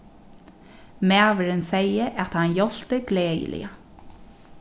maðurin segði at hann hjálpti gleðiliga